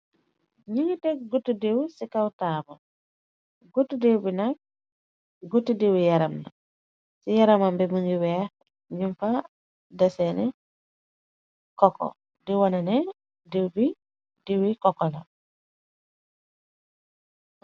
ñi ngi tek guut diw ci kaw taaba gut diiw bi nak guut diiwi yaram na ci yaramambe bi ngi weex ñum fa deseeni kokko di wona ne diw bi diiwi kokko la